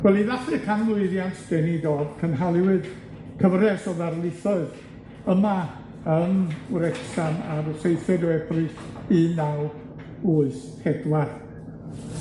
Wel, i ddathlu canmlwyddiant geni Dodd, cynhaliwyd cyfres o ddarlithoedd yma yn Wrecsam ar y seithfed o Ebrill un naw wyth pedwar.